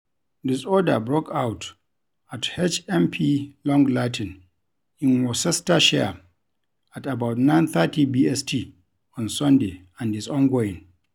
Disorder broke out at HMP Long Lartin in Worcestershire at about 09:30 BST on Sunday and is ongoing.